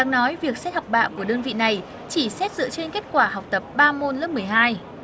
đáng nói việc xét học bạ của đơn vị này chỉ xét dựa trên kết quả học tập ba môn lớp mười hai